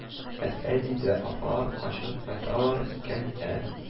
– әткәй, – диде, – апалар кайчан кайталар икән, ә